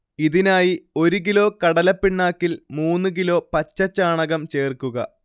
ഇതിനായി ഒരു കിലോ കടലപ്പിണ്ണാക്കിൽ മൂന്ന് കിലോ പച്ചച്ചാണകം ചേർക്കുക